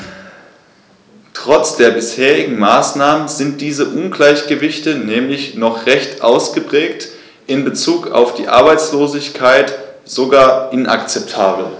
Trotz der bisherigen Maßnahmen sind diese Ungleichgewichte nämlich noch recht ausgeprägt, in bezug auf die Arbeitslosigkeit sogar inakzeptabel.